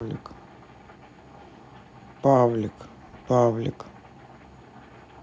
павлик павлик